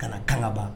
Ka na kangaba